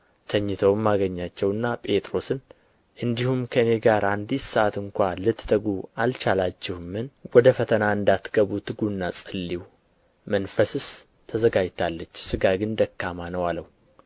ተኝተውም አገኛቸውና ጴጥሮስን እንዲሁም ከእኔ ጋር አንዲት ሰዓት እንኳ ልትተጉ አልቻላችሁምን ወደ ፈተና እንዳትገቡ ትጉና ጸልዩ መንፈስስ ተዘጋጅታለች ሥጋ ግን ደካማ ነው አለው